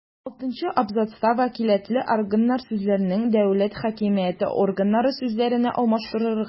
Алтынчы абзацта «вәкаләтле органнар» сүзләрен «дәүләт хакимияте органнары» сүзләренә алмаштырырга;